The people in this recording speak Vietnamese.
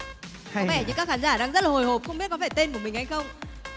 có vẻ như các khán giả đang rất là hồi hộp không biết có phải tên của mình hay không